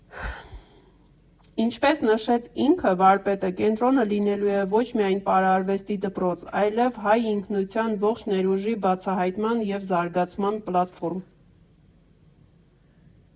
Ինչպես նշեց ինքը՝ վարպետը, կենտրոնը լինելու է ոչ միայն պարարվեստի դպրոց, այլև հայ ինքնության ողջ ներուժի բացահայտման և զարգացման պլատֆորմ։